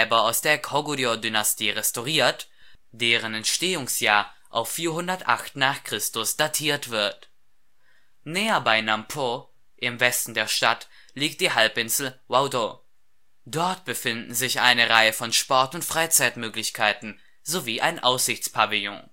aus der Koguryo-Dynastie restauriert, deren Entstehungsjahr auf 408 n. Chr. datiert wird. Näher bei Namp’ o, im Westen der Stadt, liegt die Halbinsel Waudo. Dort befinden sich eine Reihe von Sport - und Freizeitmöglichkeiten sowie ein Aussichtspavillon